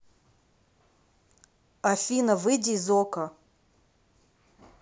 афина выйди из okko